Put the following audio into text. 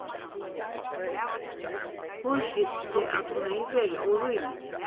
hon skilti at hon hevði verið órímilig